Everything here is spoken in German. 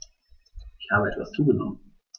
Ich habe etwas zugenommen